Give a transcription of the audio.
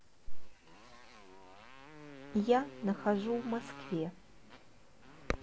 я нахожу в москве